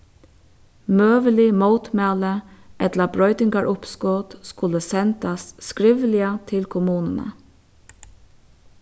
møgulig mótmæli ella broytingaruppskot skulu sendast skrivliga til kommununa